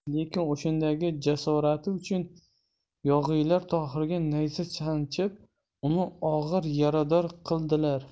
lekin o'shandagi jasorati uchun yog'iylar tohirga nayza sanchib uni og'ir yarador qildilar